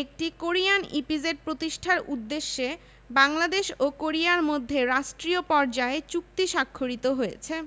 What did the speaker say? এলাকায় ভূগর্ভস্থ জলস্তরের ভূমিকা পালন করে প্লাইসটোসিন টিপাম বালুকাস্তর